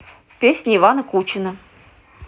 песни ивана кучина